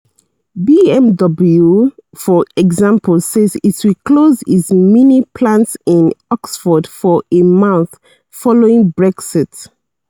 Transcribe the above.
BMW, for example, says it will close its Mini plant in Oxford for a month following Brexit.